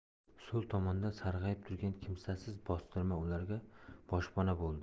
so'l tomonda sarg'ayib turgan kimsasiz bostirma ularga boshpana bo'ldi